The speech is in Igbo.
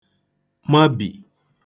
mabì